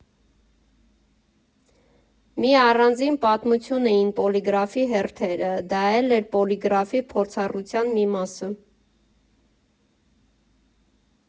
Մի առանձին պատմություն էին Պոլիգրաֆի հերթերը, դա էլ էր Պոլիգրաֆի փորձառության մի մասը։